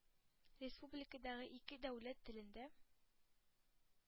Республикадагы ике дәүләт телендә